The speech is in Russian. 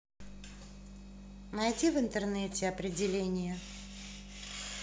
найди в интернете определение